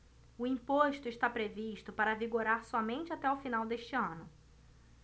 o imposto está previsto para vigorar somente até o final deste ano